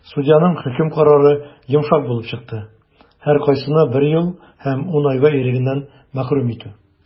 Судьяның хөкем карары йомшак булып чыкты - һәркайсына бер ел һәм 10 айга ирегеннән мәхрүм итү.